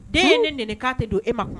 Den ye ne nin tɛ don e ma